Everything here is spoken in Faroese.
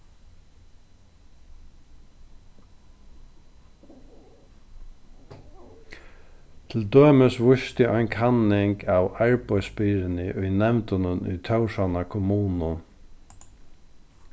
til dømis vísti ein kanning av arbeiðsbyrðuni í nevndunum í tórshavnar kommunu